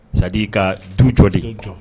C'est à dire ka du jɔ de. Du jɔ.